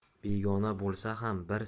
begona bo'lsa ham bir